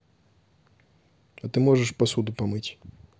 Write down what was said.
а ты можешь посуду помыть